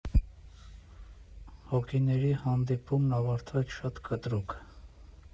Հոգիների հանդիպումն ավարտվեց շատ կտրուկ։